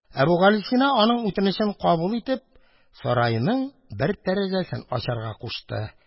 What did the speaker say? Әбүгалисина, аның үтенечен кабул итеп, сарайның бер тәрәзәсен ачарга кушты.